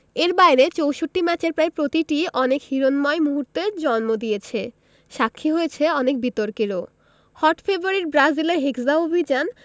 এর বাইরে ৬৪ ম্যাচের প্রায় প্রতিটিই অনেক হিরণ্ময় মুহূর্তের জন্ম দিয়েছে সাক্ষী হয়েছে অনেক বিতর্কেরও হট ফেভারিট ব্রাজিলের হেক্সা অভিযান